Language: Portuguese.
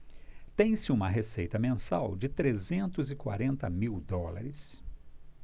tem-se uma receita mensal de trezentos e quarenta mil dólares